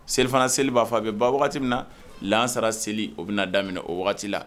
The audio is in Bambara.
Selifana seli b'a fo a bɛ ban wagati min na lansara seli o bɛna daminɛ o wagati la